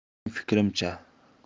mening fikrimcha